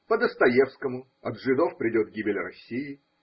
По Достоевскому – от жидов придет гибель России.